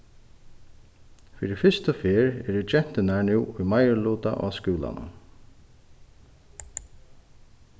fyri fyrstu ferð eru genturnar nú í meiriluta á skúlanum